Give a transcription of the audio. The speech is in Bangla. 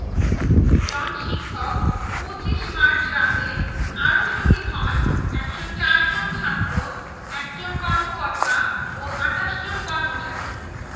বলে আখ্যায়িত করা হলেও বর্তমানে ১০ হাজার ছাত্রী ও কয়েক শত নারী শিক্ষকের নিয়োগ আজ আর কোনো বিস্ময়ের ব্যাপার নয়